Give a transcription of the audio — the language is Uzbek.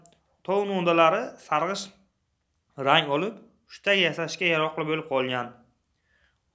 tol novdalari sarg'ish rang olib hushtak yasashga yaroqli bo'lib qolgan